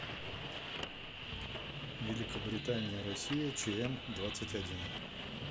великобритания россия чм двадцать один